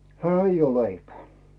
häh ei ole leipää